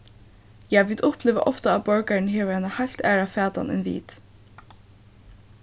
ja vit uppliva ofta at borgarin hevur eina heilt aðra fatan enn vit